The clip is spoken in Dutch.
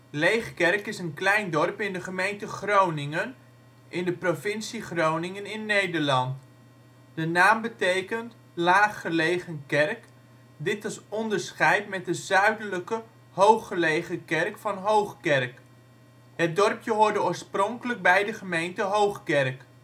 Leegkerk is een klein dorp in de gemeente Groningen in de provincie Groningen in Nederland. De naam betekent laag gelegen kerk, dit als onderscheid met de zuidelijke hoog gelegen kerk van Hoogkerk. Het dorpje hoorde oorspronkelijk bij de gemeente Hoogkerk